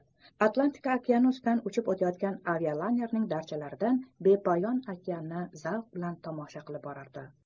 atlantika okeani ustidan uchib o'tayotgan avialaynerning darchalaridan bepoyon okeanni zavq bilan tomosha qilib borar edi